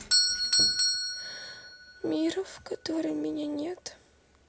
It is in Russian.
мир в котором меня нет